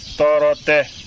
tɔɔrɔ tɛ